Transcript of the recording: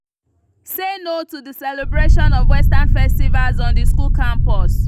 3. Say no to the celebration of Western festivals on the school campus.